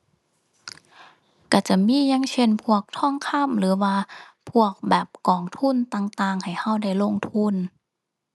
ก็จะมี อย่างเช่น พวกทองคำหรือว่าพวกแบบกองทุนต่างต่างให้ก็ได้ลงทุน